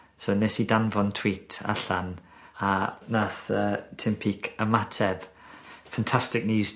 So nes i danfon tweet allan a nath yy Tim Peak ymateb fantastic news...